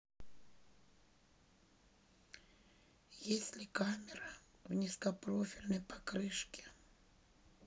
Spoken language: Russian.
есть ли камера в низкопрофильной покрышке